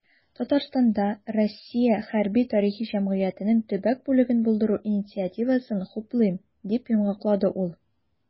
"татарстанда "россия хәрби-тарихи җәмгыяте"нең төбәк бүлеген булдыру инициативасын хуплыйм", - дип йомгаклады ул.